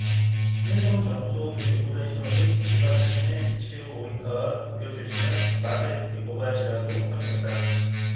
일본 정부도 두 유골의 신원이 지바 출신의 미치오 오이카와 도쿄 출신의 마사유키 고바야시라고 확인했다